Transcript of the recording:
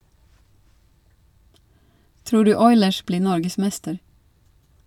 Tror du Oilers blir norgesmester?